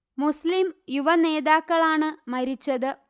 മുസ്ലിം യുവനേതാക്കളാണ് മരിച്ചത്